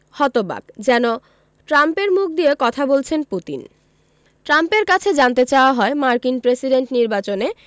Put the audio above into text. হতবাক যেন ট্রাম্পের মুখ দিয়ে কথা বলছেন পুতিন ট্রাম্পের কাছে জানতে চাওয়া হয় মার্কিন প্রেসিডেন্ট নির্বাচনে